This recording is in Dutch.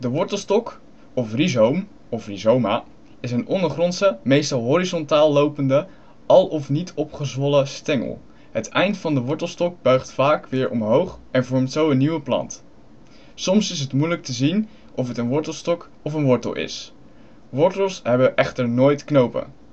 wortelstok of rizoom (rhizoma) is een ondergrondse, meestal horizontaal lopende, al of niet opgezwollen stengel. Het eind van de wortelstok buigt vaak weer omhoog en vormt zo een nieuwe plant. Soms is het moeilijk te zien of het een wortelstok of een wortel is. Wortels hebben echter nooit knopen